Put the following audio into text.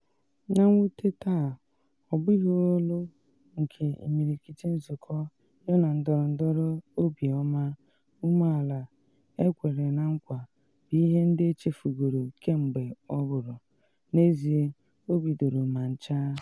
Na mwute taa, ọ bụghị olu nke imirikiti nzụkọ yana ndọrọndọrọ “obi ọma, ume ala” ekwere na nkwa bụ ihe ndị echefugoro kemgbe ma ọ bụrụ, n’ezie, o bidoro ma ncha.